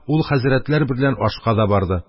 Ул хәзрәтләр берлән ашка да барды.